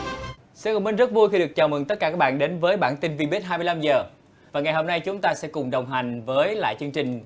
sơn ngọc minh rất vui khi được chào mừng tất cả các bạn đến với bản tin vi bít hai mươi lăm giờ và ngày hôm nay chúng ta sẽ cùng đồng hành với lại chương trình